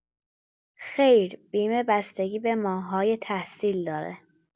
خیر بیمه بستگی به ماه‌های تحصیل داره